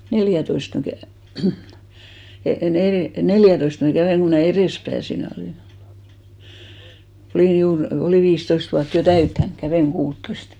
neljäätoista minä kävin - neljäätoista minä kävin kun minä edespääsin minä olin olin juuri olin viisitoista vuotta jo täyttänyt kävin kuuttatoista